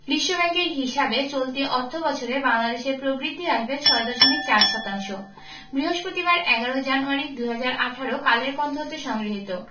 বিশ্বব্যাংকের হিসাবে চলতি অর্থবছরে বাংলাদেশের প্রবৃদ্ধি আসবে ৬.৪ শতাংশ বৃহস্পতিবার ১১ জানুয়ারি ২০১৮ কালের কন্ঠ হতে সংগৃহীত